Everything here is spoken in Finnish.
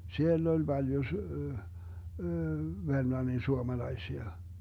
siellä oli paljon - Vermlannin suomalaisia